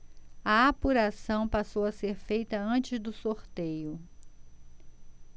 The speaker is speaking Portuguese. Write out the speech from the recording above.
a apuração passou a ser feita antes do sorteio